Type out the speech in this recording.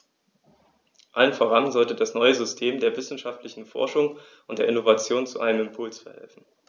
Allem voran sollte das neue System der wissenschaftlichen Forschung und der Innovation zu einem Impuls verhelfen.